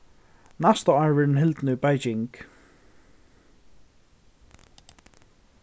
næsta ár verður hon hildin í beijing